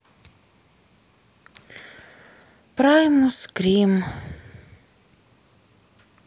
праймус крим